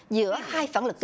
giữa hai phản lực